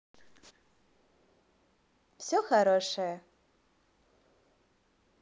все хорошее